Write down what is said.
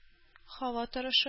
Һава торышы